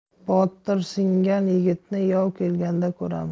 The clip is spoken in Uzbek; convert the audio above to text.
botirsingan yigitni yov kelganda ko'ramiz